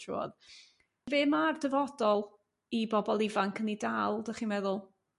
trw'odd. Be' ma'r dyfodol i bobl ifanc yn 'i dal dych chi'n meddwl?